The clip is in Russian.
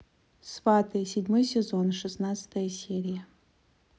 сваты седьмой сезон шестнадцатая серия